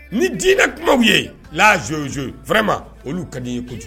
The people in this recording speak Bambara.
Ni dinɛ kumaw ye lazozo fɛrɛma olu ka di ye koyi